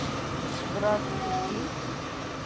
Бераз өстим.